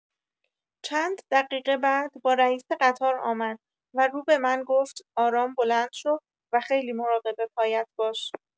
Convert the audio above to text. چند دقیقه بعد با رئیس قطار آمد و رو به من گفت آرام بلند شو و خیلی مراقب پایت باش.